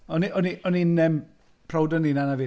O'n i- o'n i o'n i'n yym proud o'n hunan hefyd.